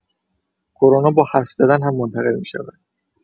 کرونا با حرف‌زدن هم منتقل می‌شود!